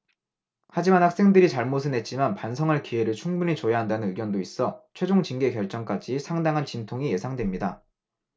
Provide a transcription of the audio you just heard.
하지만 학생들이 잘못은 했지만 반성할 기회를 충분히 줘야 한다는 의견도 있어 최종 징계 결정까지 상당한 진통이 예상됩니다